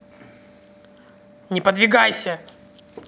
не подвигайся